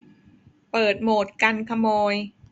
เปิดโหมดกันขโมย